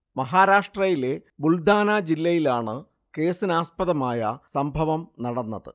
മഹാരാഷ്ട്രയിലെ ബുൾധാന ജില്ലയിലാണ് കേസിന് ആസ്പദമായ സംഭവം നടന്നത്